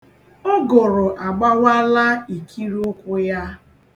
Ụgụrụ agbawaala ikiri ụkwụ ya.